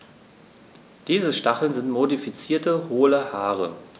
Diese Stacheln sind modifizierte, hohle Haare.